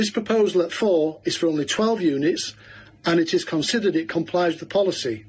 This proposal at four is for only twelve units, and it is considered it complies with the policy.